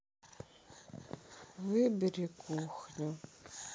выбери кухню